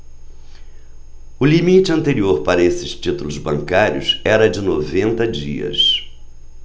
o limite anterior para estes títulos bancários era de noventa dias